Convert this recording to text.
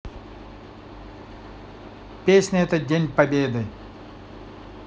песня этот день победы